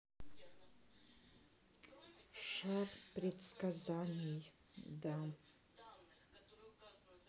шар предсказаний да